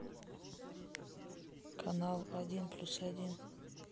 канал один плюс один